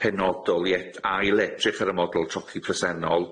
penodol i ed- ailedrych ar y model trochi presennol.